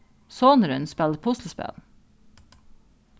sonurin spælir puslispæl